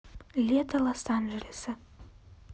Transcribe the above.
лето лос анджелеса